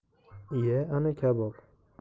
iye ana kabob